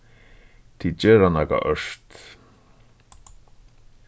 tit gera nakað ørt